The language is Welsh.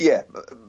Ie ma' yym